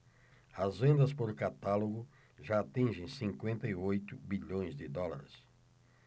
as vendas por catálogo já atingem cinquenta e oito bilhões de dólares